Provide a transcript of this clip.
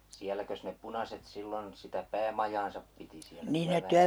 sielläkös ne punaiset silloin sitä päämajaansa piti siellä työväen